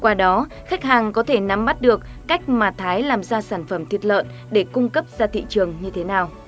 qua đó khách hàng có thể nắm bắt được cách mà thái làm ra sản phẩm thịt lợn để cung cấp ra thị trường như thế nào